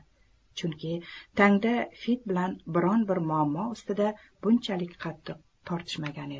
chunki tangda fid bilan biron bir muammo ustida bunchalik qattiq tortishmagan edi